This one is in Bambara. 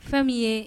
Fɛn min ye